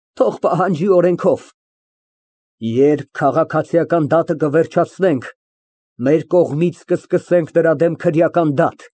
Թող պահանջի օրենքով։ Երբ քաղաքացիական դատը կվերջացնենք, մեր կողմից կսկսենք նրա դեմ քրեական դատ։